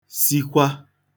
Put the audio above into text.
sikwa